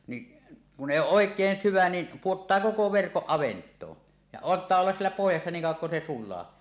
niin kun ei ole oikein syvä niin pudottaa koko verkon avantoon ja antaa olla siellä pohjassa niin kauan kuin se sulaa